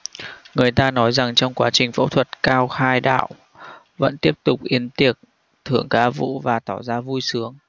người ta nói rằng trong quá trình phẫu thuật cao khai đạo vẫn tiếp tục yến tiệc thưởng ca vũ và tỏ ra vui sướng